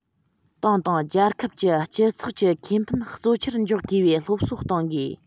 ཏང དང རྒྱལ ཁབ ཀྱི སྤྱི ཡོངས ཀྱི ཁེ ཕན གཙོ ཆེར འཇོག དགོས པའི སློབ གསོ གཏོང དགོས